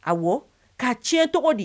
Aw, k'a tiɲɛ tɔgɔ di?